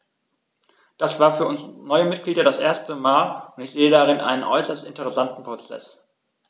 Das war für uns neue Mitglieder das erste Mal, und ich sehe darin einen äußerst interessanten Prozess.